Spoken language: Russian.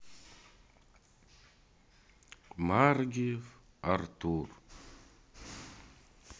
маргиев артур